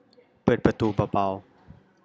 เปิดประตูเบาๆ